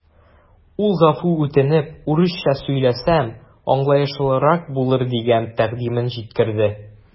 Ул гафу үтенеп, урысча сөйләсәм, аңлаешлырак булыр дигән тәкъдимен җиткерде.